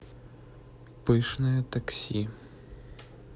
пышное такси